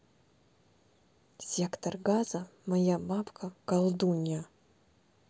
сектор газа моя бабка колдунья